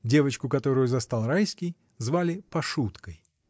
Девочку, которую застал Райский, звали Пашуткой.